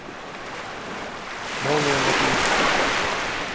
молния маккуин